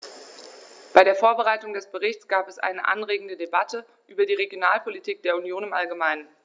Bei der Vorbereitung des Berichts gab es eine anregende Debatte über die Regionalpolitik der Union im allgemeinen.